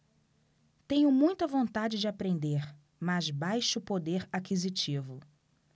tenho muita vontade de aprender mas baixo poder aquisitivo